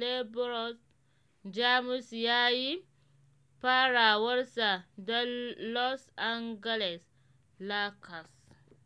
LeBron James ya yi farawarsa don Los Angeles Lakers.